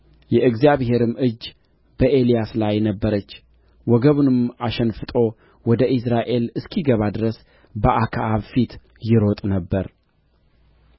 የእግዚአብሔርም እጅ በኤልያስ ላይ ነበረች ወገቡንም አሸንፍጦ ወደ ኢይዝራኤል እስኪገባ ድረስ በአክዓብ ፊት ይሮጥ ነበር